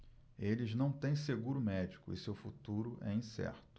eles não têm seguro médico e seu futuro é incerto